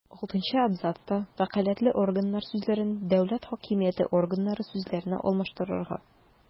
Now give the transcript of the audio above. Алтынчы абзацта «вәкаләтле органнар» сүзләрен «дәүләт хакимияте органнары» сүзләренә алмаштырырга;